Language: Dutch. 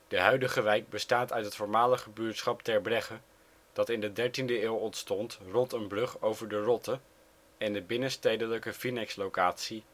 huidige wijk bestaat uit het voormalige buurtschap Terbregge, dat in de dertiende eeuw ontstond rond een brug over de Rotte, en de binnenstedelijke Vinex-locatie